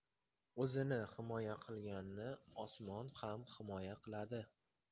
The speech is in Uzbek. o'zini himoya qilganni osmon ham himoya qiladi